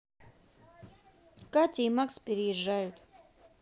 катя и макс переезжают